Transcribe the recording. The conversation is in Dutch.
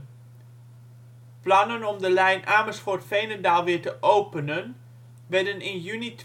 Plannen om de lijn Amersfoort-Veenendaal weer te openen werden in juni